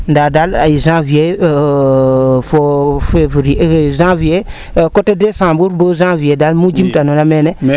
ndaa daal ay janvier fo fevrier janvier coté decembre bo janvier daal mu jimta noona meene